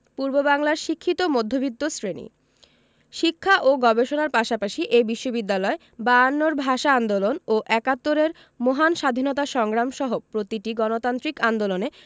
পূর্ববাংলার শিক্ষিত মধ্যবিত্ত শ্রেণি শিক্ষা ও গবেষণার পাশাপাশি এ বিশ্ববিদ্যালয় বায়ান্নর ভাষা আন্দোলন ও একাত্তরের মহান স্বাধীনতা সংগ্রাম সহ প্রতিটি গণতান্ত্রিক আন্দোলনে